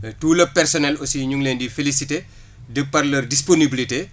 et tout le personnel aussi ñu ngi leen di félicité de par leur disponibilité